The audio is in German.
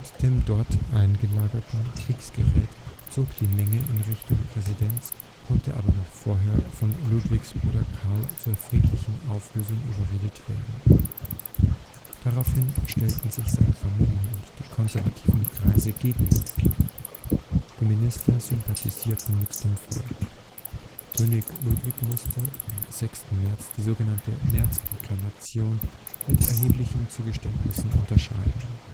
dem dort eingelagerten Kriegsgerät zog die Menge in Richtung Residenz, konnte aber noch vorher von Ludwigs Bruder Karl zur friedlichen Auflösung überredet werden. Daraufhin stellten sich seine Familie und die konservativen Kreise gegen Ludwig. Die Minister sympathisierten mit dem Volk. König Ludwig musste am 6. März die sogenannte Märzproklamation mit erheblichen Zugeständnissen unterschreiben